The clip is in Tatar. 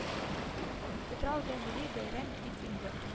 Питрау да милли бәйрәм бит инде